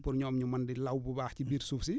pour ñoom ñu mën di law bu baax ci biir suuf si